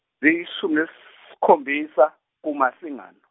ziyishumi neskhombisa, kuMasingana.